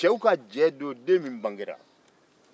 cɛw ka jɛ don den min bangera